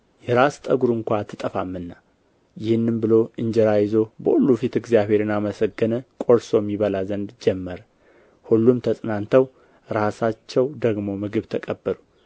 የራስ ጠጕር እንኳ አትጠፋምና ይህንም ብሎ እንጀራን ይዞ በሁሉ ፊት እግዚአብሔርን አመሰገነ ቈርሶም ይበላ ዘንድ ጀመረ ሁለም ተጽናንተው ራሳቸው ደግሞ ምግብ ተቀበሉ